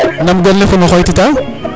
nam gon le fo mam o xooytitaa